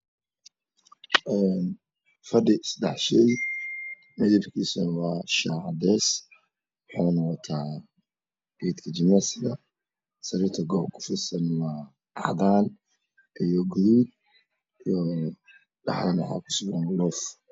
Fadhiga midabkiisa shaah cadays sariirta cadaan guduud waa cagaar